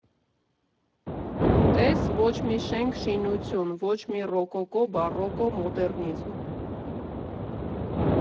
Տես, ոչ մի շենք֊շինություն, ոչ մի ռոկոկո, բառոկո, մոդեռնիզմ…